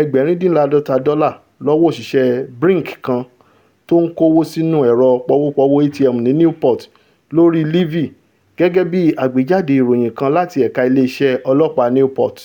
ẹgbẹ̀rindíńlá́àádọ́ta dọ́là lọ́wọ́ òṣìṣẹ́ Brink kan tó ńkówó sínú ẹ̀rọ pọwó-pọwó ATM ní Newport lórí Levee, gẹ́gẹ́ bí àgbéjáde ìròyìn kan láti Ẹ̀ka Ilé iṣẹ́ Ọlọ́ọ̀pá Newport.